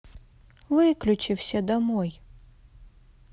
выключи все домой